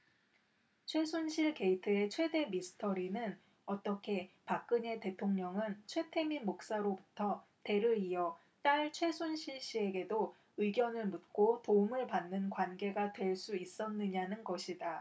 최순실 게이트의 최대 미스터리는 어떻게 박근혜 대통령은 최태민 목사로부터 대를 이어 딸 최순실씨에게도 의견을 묻고 도움을 받는 관계가 될 수 있었느냐는 것이다